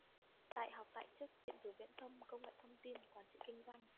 đại học tại chức điện tử viễn thông công nghệ thông tin quản trị kinh doanh